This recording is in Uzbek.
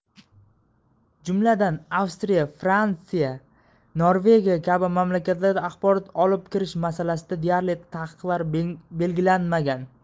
jumladan avstriya frantsiya norvegiya kabi mamlakatlarda axborot olib kirish masalasida deyarli ta'qiqlar belgilanmagan